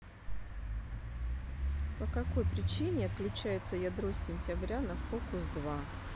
по какой причине отключается ядро сентября на фокус два